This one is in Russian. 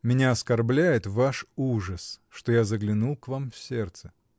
— Меня оскорбляет ваш ужас, что я заглянул к вам в сердце.